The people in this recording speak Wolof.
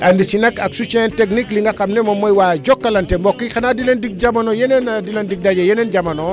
ànd si nagak soutien technique li nga xam ne moom mooy waa Jokalante mbokk yi xanaa di leen dig jamono yeneen di leen dig daje yeneen jamono